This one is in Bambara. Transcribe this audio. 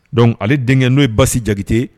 Don ale denkɛ n'o ye basi jate